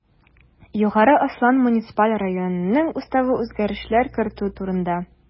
Югары Ослан муниципаль районынның Уставына үзгәрешләр кертү турында